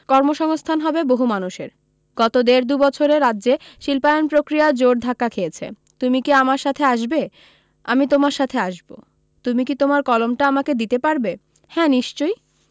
কর্মসংস্থান হবে বহু মানুষের গত দেড় দু বছরে রাজ্যে শিল্পায়ন প্রক্রিয়া জোর ধাক্কা খেয়েছে তুমিকি আমার সাথে আসবে আমি তোমার সাথে আসবো তুমি কী তোমার কলমটা আমাকে দিতে পারবে হ্যা নিশ্চয়